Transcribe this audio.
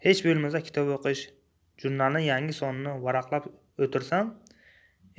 hech bo'lmasa kitob o'qish jurnalning yangi sonini varaqlab o'tirsam